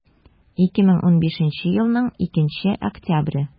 2015 елның 2 октябре